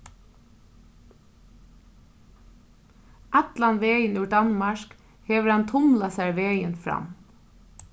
allan vegin úr danmark hevur hann tumlað sær vegin fram